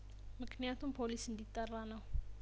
ምክንያቱም ፖሊስ እንዲጠራ ነው